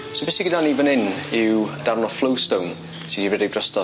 So be sy gyda ni fan 'yn yw darn o flow stone sy 'di redeg drosto.